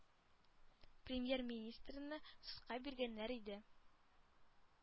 Премьер-министрны судка биргәннәр иде.